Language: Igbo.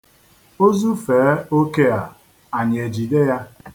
O zufee oke a, anyị ejide ya.